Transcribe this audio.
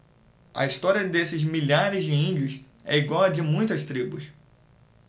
a história desses milhares de índios é igual à de muitas tribos